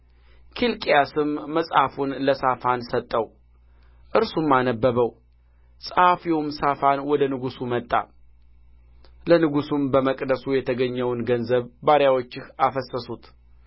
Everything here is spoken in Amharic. ኬልቅያስም መጽሐፉን ለሳፋን ሰጠው እርሱም አነበበው ጸሐፊውም ሳፋን ወደ ንጉሡ መጣ ለንጉሡም በመቅደሱ የተገኘውን ገንዘብ ባሪያዎችህ አፈሰሱት